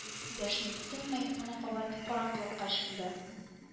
Дәшми-тынмый гына кабат караңгылыкка чумды